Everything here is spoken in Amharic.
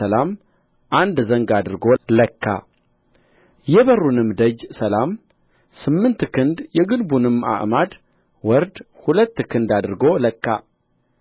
ሰላም አንድ ዘንግ አድርጎ ለካ የበሩንም ደጀ ሰላም ስምንት ክንድ የግንቡንም አዕማድ ወርድ ሁለት ክንድ አድርጎ ለካ